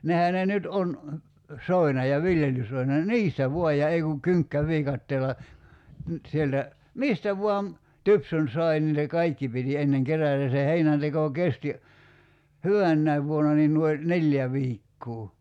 nehän ne nyt on soina ja viljelysoina niin niistä vain ja ei kun kynkkäviikatteella nyt sieltä mistä vain tupsun sai niin se kaikki piti ennen kerätä ja se heinänteko kesti hyvänäkin vuona niin noin neljä viikkoa